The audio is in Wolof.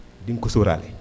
di nga ko sóoraale